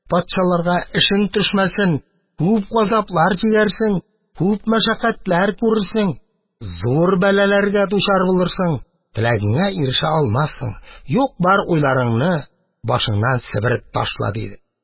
«патшаларга эшең төшмәсен, күп газаплар чигәрсең, күп мәшәкатьләр күрерсең, зур бәлаларга дучар булырсың, теләгеңә ирешә алмассың, юк-бар уйларны башыңнан себереп ташла…» – диде.